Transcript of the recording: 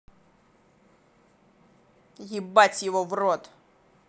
ебать его в рот